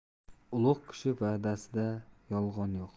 tursang so'zingda hurmat o'zingda